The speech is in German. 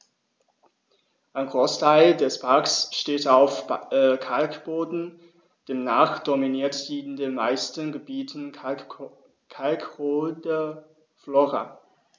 Ein Großteil des Parks steht auf Kalkboden, demnach dominiert in den meisten Gebieten kalkholde Flora.